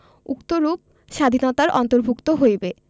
উক্তরূপ স্বাধীনতার অন্তর্ভুক্ত হইবে